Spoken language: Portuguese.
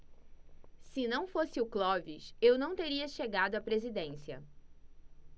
se não fosse o clóvis eu não teria chegado à presidência